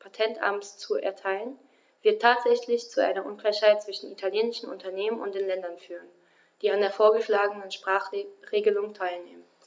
Patentamts zu erteilen, wird tatsächlich zu einer Ungleichheit zwischen italienischen Unternehmen und den Ländern führen, die an der vorgeschlagenen Sprachregelung teilnehmen.